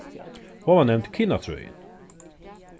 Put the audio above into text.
hon varð nevnd kinatrøðin